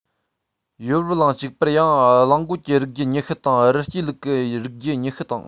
ཡོ རོབ གླིང གཅིག པུར ཡང གླང རྒོད ཀྱི རིགས རྒྱུད ཉི ཤུ དང རི སྐྱེས ལུག གི རིགས རྒྱུད ཉི ཤུ དང